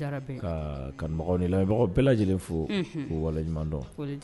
Ya rabi! Ka kanubagaw ni lamɛnbagaw bɛɛ lajɛlen fo. Unhun! _ K'u waleɲuman dɔn.